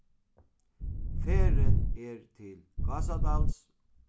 ferðin er til gásadals